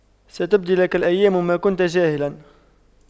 ستبدي لك الأيام ما كنت جاهلا